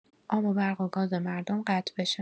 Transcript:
آب و برق و گاز مردم قطع بشه.